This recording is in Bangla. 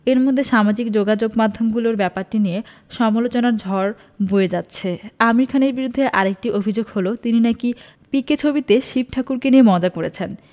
এরই মধ্যে সামাজিক যোগাযোগমাধ্যমগুলোয় ব্যাপারটি নিয়ে সমালোচনার ঝড় বয়ে যাচ্ছে আমির খানের বিরুদ্ধে আরেকটি অভিযোগ হলো তিনি নাকি পিকে ছবিতে শিব ঠাকুরকে নিয়ে মজা করেছেন